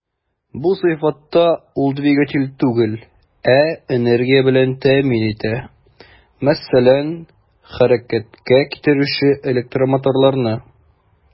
Бу сыйфатта ул двигатель түгел, ә энергия белән тәэмин итә, мәсәлән, хәрәкәткә китерүче электромоторларны.